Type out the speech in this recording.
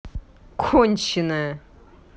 конченая